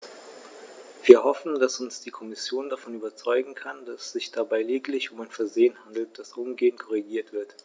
Wir hoffen, dass uns die Kommission davon überzeugen kann, dass es sich dabei lediglich um ein Versehen handelt, das umgehend korrigiert wird.